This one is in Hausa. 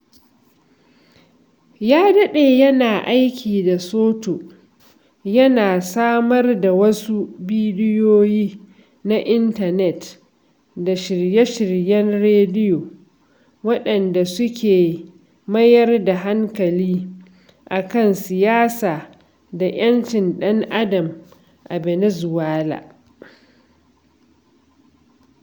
Ya daɗe yana aiki da Soto yana samar da wasu bidiyoyi na intanet da shirye-shiryen rediyo waɗanda suke mayar da hankali a kan siyasa da 'yancin ɗan'adam a ɓenezuela.